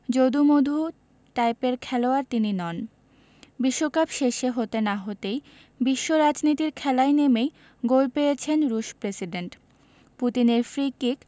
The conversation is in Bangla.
যদু মধু টাইপের খেলোয়াড় তিনি নন বিশ্বকাপ শেষে হতে না হতেই বিশ্ব রাজনীতির খেলায় নেমেই গোল পেয়েছেন রুশ প্রেসিডেন্ট পুতিনের ফ্রি কিক